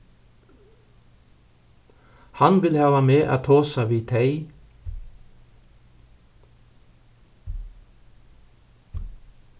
hann vil hava meg at tosa við tey